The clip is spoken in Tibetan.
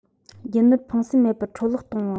རྒྱུ ནོར ཕངས སེམས མེད པར འཕྲོ བརླག གཏོང བ